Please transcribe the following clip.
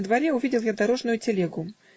На дворе увидел я дорожную телегу